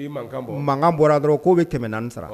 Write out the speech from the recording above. Makan bɔra dɔrɔn k' bɛ tɛmɛ naani sara